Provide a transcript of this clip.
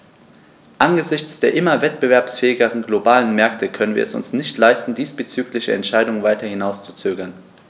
Angesichts der immer wettbewerbsfähigeren globalen Märkte können wir es uns nicht leisten, diesbezügliche Entscheidungen weiter hinauszuzögern.